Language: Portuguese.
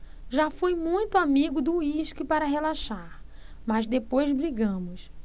já fui muito amigo do uísque para relaxar mas depois brigamos